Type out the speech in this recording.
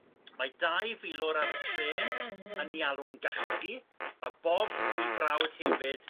mae dau filwr ar y trên yn ei alw'n gachgi a Bob ei frawd hefyd